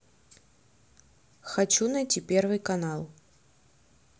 хочу найти первый канал